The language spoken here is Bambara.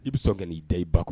I bɛ sɔn ka k'i da i ba kun